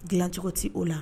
Dilan cogo tɛ o la